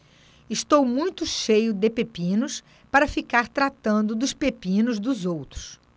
estou muito cheio de pepinos para ficar tratando dos pepinos dos outros